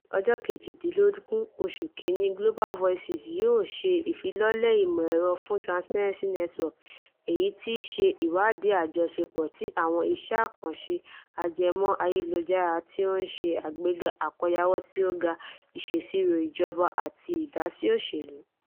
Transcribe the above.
Ní ọjọ́ 18 oṣù Kínní Global Voices yóò ṣe ìfilọ́lẹ̀ ìmọ̀ ẹ̀rọ fún Transparency Network, èyí tí í ṣe ìwádìí àjọṣepọ̀ ti àwọn iṣẹ́ àkànṣe ajẹmọ́ ayélujára tí ó ń ṣe àgbéga àkóyawọ́ tí ó ga, ìṣèsirò ìjọba, àti ìdásí òṣèlú.